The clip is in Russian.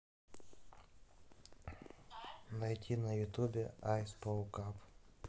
найти на ютубе айс пул каб